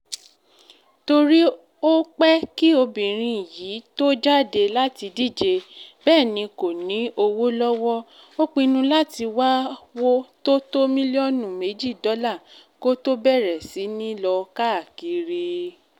Torí ó pẹ́ kí ọmọbìnrin yìí tó jaHde láti díje, bẹ́ẹ̀ ni kò ní owó lọwọ́, ó pinnu láti wáwó tó tó mílíọnu 2 dọ́là kó tó bẹ̀rẹ̀ sí ni lọ káàkiri.